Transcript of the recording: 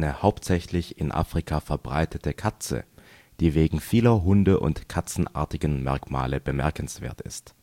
hauptsächlich in Afrika verbreitete Katze, die wegen vieler hunde - und katzenartigen Merkmale bemerkenswert ist